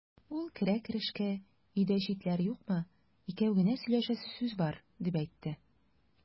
Ул керә-керешкә: "Өйдә читләр юкмы, икәү генә сөйләшәсе сүз бар", дип әйтте.